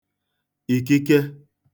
ìkike